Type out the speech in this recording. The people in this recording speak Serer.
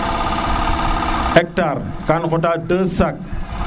hectar kan xota deux sacs